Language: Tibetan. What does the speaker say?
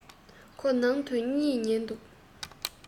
ཁོ ནང དུ གཉིད ཉལ འདུག